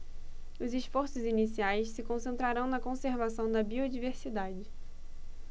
os esforços iniciais se concentrarão na conservação da biodiversidade